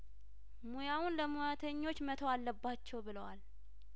ሙያውን ለሙያተኞች መተው አለባችው ብለዋል